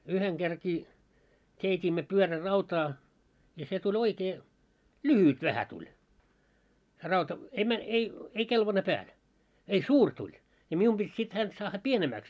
yhden kerrankin keitimme pyörärautaa ja se tuli oikein lyhyt vähän tuli se rauta ei - ei ei kelvannut päälle ei suuri tuli ja minun piti sitten häntä saada pienemmäksi